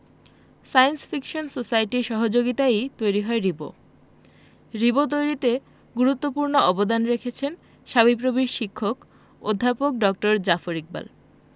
science fiction সোসাইটির সহযোগিতায়ই তৈরি হয় রিবো রিবো তৈরিতে গুরুত্বপূর্ণ অবদান রেখেছেন শাবিপ্রবির শিক্ষক অধ্যাপক ড জাফর ইকবাল